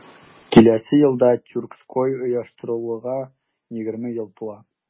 Киләсе елда Тюрксой оештырылуга 20 ел тула.